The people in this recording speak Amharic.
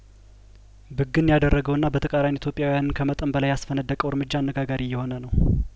ብግን ያደረገውና በተቃራኒ ኢትዮጵያዊያንን ከመጠን በላይ ያስፈነደቀው እርምጃ አነጋጋሪ እየሆነ ነው